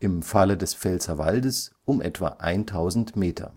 im Falle des Pfälzerwaldes um etwa 1000 Meter